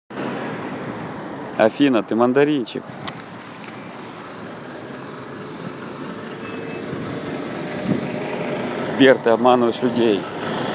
афина ты мандаринчик